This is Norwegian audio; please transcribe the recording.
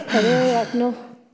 det ville vært noe.